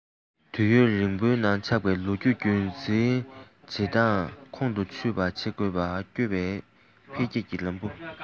དུས ཡུན རིང པོའི ནང ཆགས པའི ལོ རྒྱུས རྒྱུན འཛིན བྱེད སྟངས ཁོང དུ ཆུད པ བྱེད དགོས ལ བསྐྱོད པའི འཕེལ རྒྱས ཀྱི ལམ བུ དང